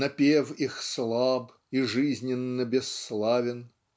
Напев их слаб и жизненно бесславен